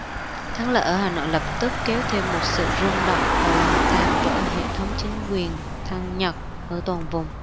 thắng lợi ở hà nội lập tức kéo theo một sự rung động và làm tan vỡ hệ thống chính quyền thân nhật ở toàn vùng